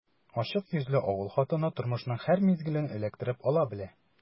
Ачык йөзле авыл хатыны тормышның һәр мизгелен эләктереп ала белә.